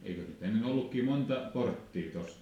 eikös sitä ennen ollutkin monta porttia tuossa